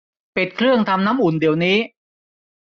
ปิดเครื่องทำน้ำอุ่นเดี๋ยวนี้